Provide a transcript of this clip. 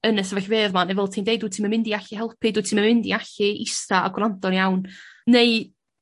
Yn y sefyllfeuodd 'ma ne' fel ti'n deud wt ti'm yn mynd i allu helpu dw't ti'm yn mynd i allu ista a gwrando'n iawn neu